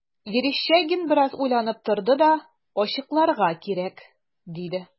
Верещагин бераз уйланып торды да: – Ачыкларга кирәк,– диде.